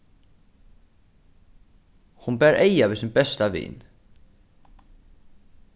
hon bar eyga við sín besta vin